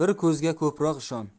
bir ko'zga ko'proq ishon